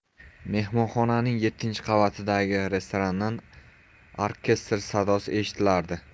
mehmonxonaning yettinchi qavatidagi restorandan orkestr sadosi eshitilardi